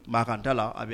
Maa kaan da la a